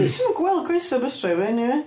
Ti ddim yn gweld coesau bus driver eniwe.